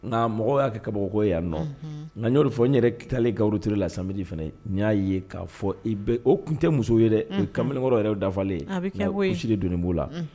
Nka mɔgɔ y'a kɛ kabako ko yanninɔ. Unhun. Mais n y'o de fɔ n yɛrɛ taalen Gabriel Touré la samedi fana n y'a ye k'a fɔ, i bɛ, o tun tɛ muso ye dɛ, kamalenkɔrɔ yɛrɛ dafalen. A bɛ kɛ koyi ! Muso kusi